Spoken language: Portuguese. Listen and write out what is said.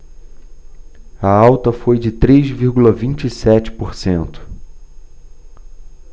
a alta foi de três vírgula vinte e sete por cento